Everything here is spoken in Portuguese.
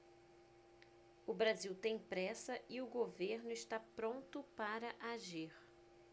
o brasil tem pressa e o governo está pronto para agir